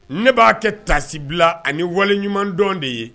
Ne b'a kɛ tasibila ani wale ɲumandɔn de ye